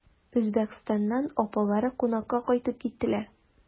Үзбәкстаннан апалары кунакка кайтып киттеләр.